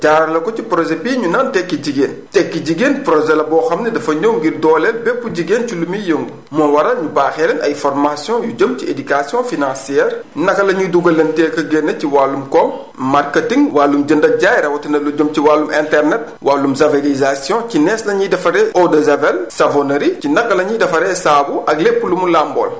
jaarale ko ci projet bii ñu naan tekki jigéen tekki jigéen projet la boo xam ne dafa ñëw ngir dooleel bépp jigéen ci li muy yëngu moo waral ñu baaxee leen ay formation yu jëm ci éducation financière naka la ñuy dugalanteeg a génne ci wàllum koom marcketing wàllum jënd ak jaay rawatina lu jëm ci wàllum internet wàllum javélisation ci nees la ñuy defaree eau de javel savonerie ci naka la ñuy defaree saabu ak lépp lu mu làmbool